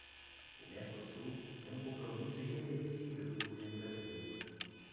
o mercosul é um compromisso irreversível do governo brasileiro